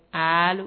Aa